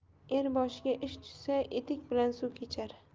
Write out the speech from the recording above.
er boshiga ish tushsa etik bilan suv kechar